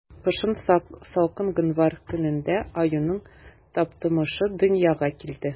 Кышын, салкын гыйнвар көнендә, аюның Таптамышы дөньяга килде.